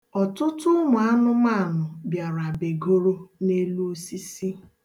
Ọtụtụ ụmụanụmanụ bịara begoro n'elu osisi.